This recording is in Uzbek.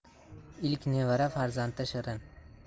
ilk nevara farzandda shirin